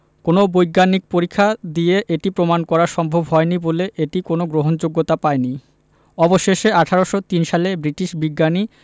কোনো বৈজ্ঞানিক পরীক্ষা দিয়ে এটি প্রমাণ করা সম্ভব হয়নি বলে এটি কোনো গ্রহণযোগ্যতা পায়নি অবশেষে ১৮০৩ সালে ব্রিটিশ বিজ্ঞানী